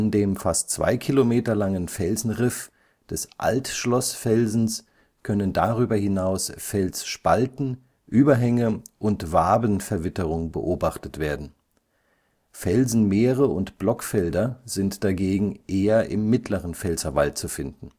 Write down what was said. dem fast zwei Kilometer langen Felsenriff des Altschlossfelsens können darüber hinaus Felsspalten, Überhänge und Wabenverwitterung beobachtet werden. Felsenmeere und Blockfelder sind dagegen eher im Mittleren Pfälzerwald zu finden